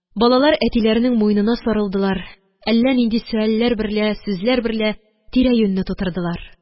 Балалар әтиләренең муенына сарылдылар. Әллә нинди сөальләр берлә, сүзләр берлә тирә-юньне тутырдылар.